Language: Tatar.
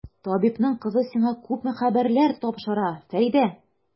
Табибның кызы сиңа күпме хәбәрләр тапшыра, Фәридә!